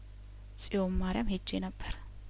ጺዮን ማሪያም ሄጄ ነበር